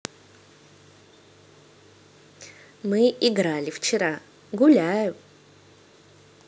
мы играли вчера гуляю